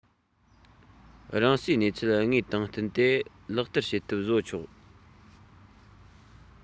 རང སའི གནས ཚུལ དངོས དང བསྟུན ཏེ ལག བསྟར བྱེད ཐབས བཟོ ཆོག